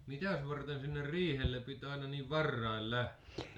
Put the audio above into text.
mitäs varten sinne riihelle piti aina niin varhain lähteä